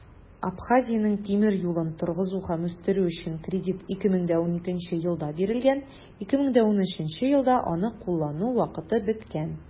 Абхазиянең тимер юлын торгызу һәм үстерү өчен кредит 2012 елда бирелгән, 2013 елда аны куллану вакыты беткән.